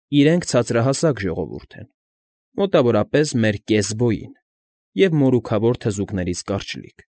Իրենք ցածրահասակ ժողովուրդ են, մոտավորապես մեր կես բոյին և մորուքավոր թզուկներից կարճլիկ։